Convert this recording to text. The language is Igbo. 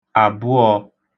àbụọ̄